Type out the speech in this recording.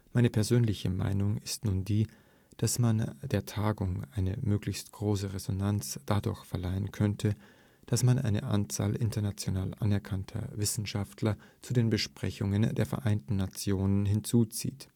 Meine persönliche Meinung ist nun die, dass man der Tagung eine möglichst große Resonanz dadurch verleihen könnte, dass man eine Anzahl international anerkannter Wissenschaftler zu den Besprechungen der Vereinten Nationen hinzuzieht